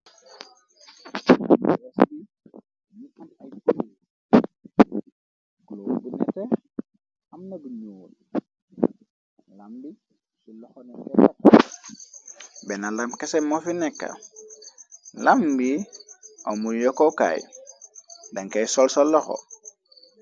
Ref bi nitun ay gure glo bu nete amna bu ñoolb lam bi yi loxoneke nakk benn lam kese mofi nekka lam bi amul yokkookaay dankay sol solloxo.